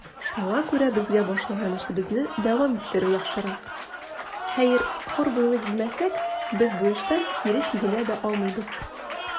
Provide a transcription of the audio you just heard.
Шуңа күрә безгә башлаган эшебезне дәвам иттерү яхшырак; хәер, хур булыйк димәсәк, без бу эштән кире чигенә дә алмыйбыз.